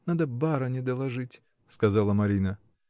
Надо барыне доложить, — сказала Марина.